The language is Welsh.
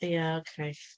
Ie, okay.